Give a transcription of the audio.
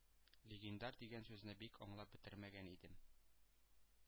Легендар дигән сүзне бик аңлап бетермәгән идем.